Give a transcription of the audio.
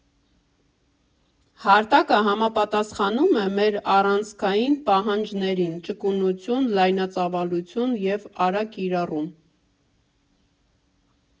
Հարթակը համապատասխանում է մեր առանցքային պահանջներին՝ ճկունություն, լայնածավալություն և արագ կիրառում։